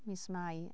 Mis Mai.